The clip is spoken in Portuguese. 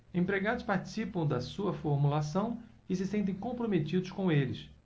empregados participam da sua formulação e se sentem comprometidos com eles